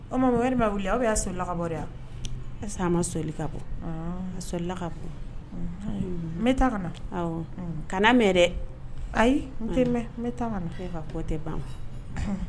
O tuma Muhamɛdi ma wili ou bien a soli ka bɔ de wa ? Est que a ma soli ka bɔ. Anhan. A solila ka bɔ. Un n y'a mɛn. N bɛ taa kana. Awɔ. Ka na mɛ dɛ. Ayi n tɛ mɛ. Eka ko tɛ ban.